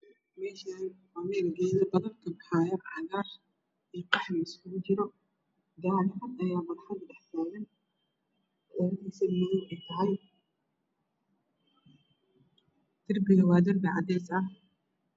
Meeshaan waa meel geeso badan cagaar iyo qaxwi isugu jiro gari cad ayaa barxada dhax taagan fanaanadiisana madow ay tahay darbiga waa darbi cadays ah